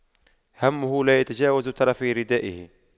همه لا يتجاوز طرفي ردائه